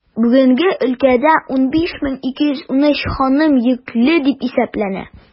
Бүген өлкәдә 15213 ханым йөкле дип исәпләнә.